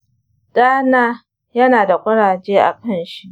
dana yana da kuraje a kanshi.